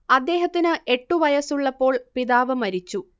അദ്ദേഹത്തിന് എട്ടു വയസ്സുള്ളപ്പോൾ പിതാവ് മരിച്ചു